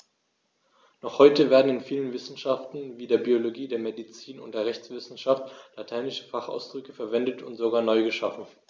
Noch heute werden in vielen Wissenschaften wie der Biologie, der Medizin und der Rechtswissenschaft lateinische Fachausdrücke verwendet und sogar neu geschaffen.